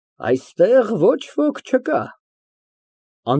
Այստեղ ոչ ոք չկա։